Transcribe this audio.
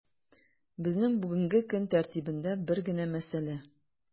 Безнең бүгенге көн тәртибендә бер генә мәсьәлә: